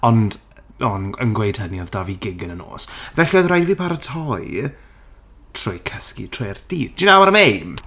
Ond on- yn gweud hynny oedd 'da fi gig yn y nos. Felly oedd rhaid fi paratoi trwy cysgu trwy'r dydd. Do you know what I mean?